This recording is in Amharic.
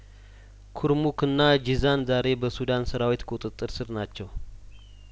ኩርሙክና ጂዛን ዛሬ በሱዳን ሰራዊት ቁጥጥር ስር ናቸው